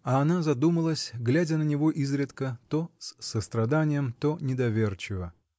А она задумалась, глядя на него изредка, то с состраданием, то недоверчиво.